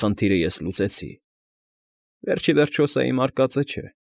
Խնդիրը ես լուծեցի։ Վերջ ի վերջո սա իմ արկածը չէ։